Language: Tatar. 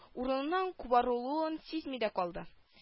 Урыныннан кубарылуын сизми дә калды